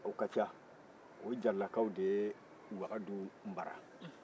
u ka ca o jaralakaw de ye wagadu mara